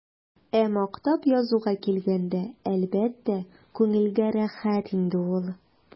Ә мактап язуга килгәндә, әлбәттә, күңелгә рәхәт инде ул.